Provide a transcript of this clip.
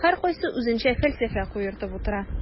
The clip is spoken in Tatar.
Һәркайсы үзенчә фәлсәфә куертып утыра.